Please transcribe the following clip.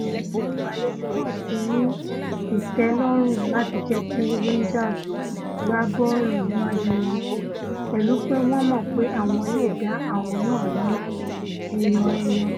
Àwọn olùgbàlejò náà ti ní ìtẹ́lọ́rùn láti jẹ́kí Rangers gbá bọ́ọ̀lú níwájú wọn, pẹ̀lú pé wọ́n mọ́pè àwọn leè da àwọn náà ní ẹyọ-ẹyọ.